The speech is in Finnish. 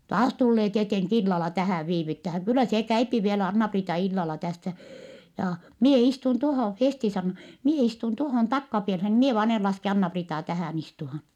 taas tulee tietenkin illalla tähän viivyttämään kyllä se käy vielä Anna-Priita illalla tässä jaa minä istun tuohon Festi sanoo minä istun tuohon takkapieleen minä vain en laske Anna-Priitaa tähän istumaan